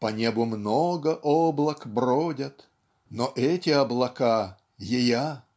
По небу много облак бродят, Но эти облака - ея